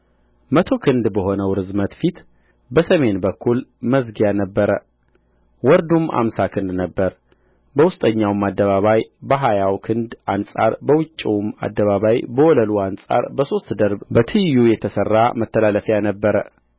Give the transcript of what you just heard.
መቶ ክንድ በሆነው ርዝመት ፊት በሰሜን በኩል መዝጊያ ነበረ ወርዱም አምሳ ክንድ ነበረ በውስጠኛውም አደባባይ በሀያው ክንድ አንጻር በውጭውም አደባባይ በወለሉ አንጻር በሦስት ደርብ በትይዩ የተሠራ መተላለፊያ ነበረ